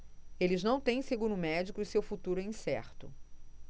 eles não têm seguro médico e seu futuro é incerto